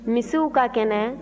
misiw ka kɛnɛ